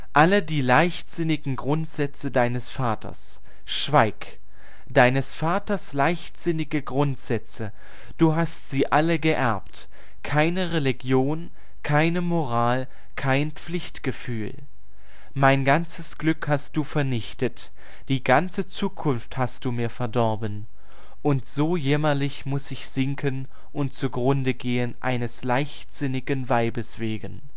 Alle die leichtsinnigen Grundsätze deines Vaters – schweig! Deines Vaters leichtsinnige Grundsätze – du hast sie alle geerbt. Keine Religion, keine Moral, kein Pflichtgefühl –[…] Mein ganzes Glück hast du vernichtet. Die ganze Zukunft hast du mir verdorben. […] Und so jämmerlich muss ich sinken und zugrunde gehen eines leichtsinnigen Weibes wegen